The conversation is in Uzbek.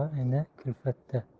og'a ini kulfatda